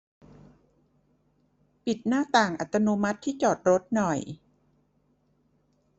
ปิดหน้าต่างอัตโนมัติที่จอดรถหน่อย